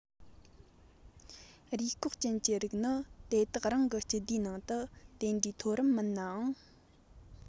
རུས སྐོགས ཅན གྱི རིགས ནི དེ དག རང གི སྤྱི སྡེའི ནང དུ དེ འདྲ མཐོ རིམ མིན ནའང